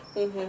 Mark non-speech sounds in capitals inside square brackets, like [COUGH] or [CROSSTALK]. [HESITATION] [HESITATION]